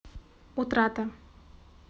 утрата